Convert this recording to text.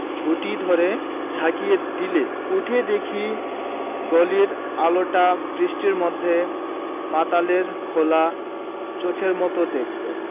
ঝুঁটি ধরে ঝাঁকিয়ে দিলে উঠে দেখি গলির আলোটা বৃষ্টির মধ্যে মাতালের খোলা চোখের মতো দেখতে